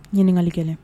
Ɲinkali kɛlɛ